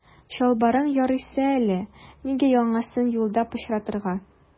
Чалбарың ярыйсы әле, нигә яңасын юлда пычратырга.